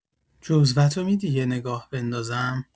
جزوه‌تو می‌دی یه نگاه بندازم؟